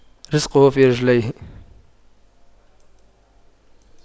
رِزْقُه في رجليه